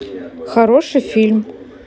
хороший фильм